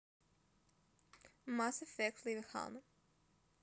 mass effect leviathan